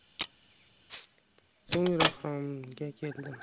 so'ngra xirmonga keldim